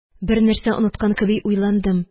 Бер нәрсә оныткан кеби уйландым.